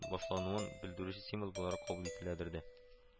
Башлануын белдерүче символ буларак кабул ителәдер дә